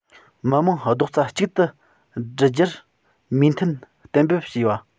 མི མང རྡོག རྩ གཅིག ཏུ སྒྲིལ རྒྱུར མོས མཐུན གཏན འབེབས བྱས པ